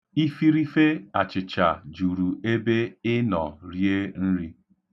Ifirife achịcha juru ebe ị nọ rie nri.